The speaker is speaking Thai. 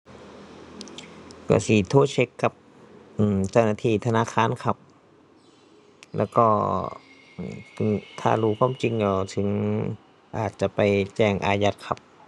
ก็สิโทรเช็กกับ อือ เจ้าหน้าที่ธนาคารครับ แล้วก็ อือ อือ ถ้ารู้ความจริงแล้วถึงอาจจะไปแจ้งอายัดครับ